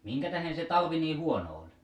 minkä tähden se talvi niin huono oli